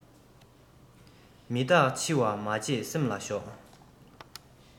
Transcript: མི རྟག འཆི བ མ བརྗེད སེམས ལ ཞོག